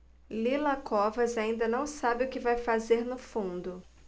lila covas ainda não sabe o que vai fazer no fundo